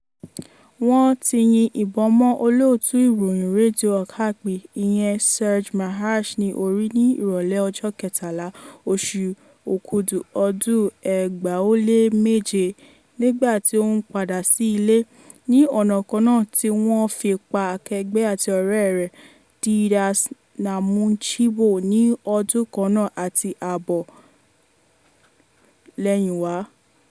Wọ́n ti yin ìbọn mọ́ olóòtú ìròyìn Radio Okapi ìyẹn Serge Maheshe ní orí ní ìrọ̀lẹ́ ọjọ́ Kẹtàlá oṣù Òkudù ọdún 2007 nígbà tí ó ń padà sí ilé, ní ọ̀nà kan náà tí wọ́n fi pa akẹgbẹ́ àti ọ̀rẹ́ rẹ̀ Didace Namujimbo ní ọdún kan àti ààbọ̀ lẹ́yìnwá.